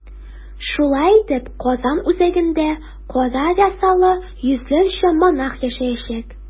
Шулай итеп, Казан үзәгендә кара рясалы йөзләрчә монах яшәячәк.